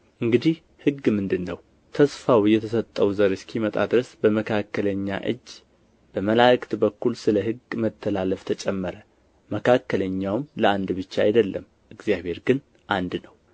እንግዲህ ሕግ ምንድር ነው ተስፋው የተሰጠው ዘር እስኪመጣ ድረስ በመካከለኛ እጅ በመላእክት በኩል ስለ ሕግ መተላለፍ ተጨመረ መካከለኛውም ለአንድ ብቻ አይደለም እግዚአብሔር ግን አንድ ነው